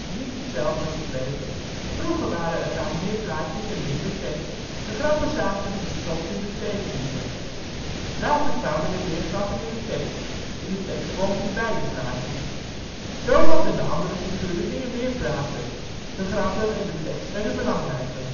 niet hetzelfde gebleven. Vroeger waren er vaak meer plaatjes en minder tekst. De grappen zaten verstopt in de tekeningen. Later kwamen er meer grappen in de tekst, in de " tekstwolkjes " bij de plaatjes. Donald en de ander figuren gingen meer praten. De grappen en de tekst werden belangrijker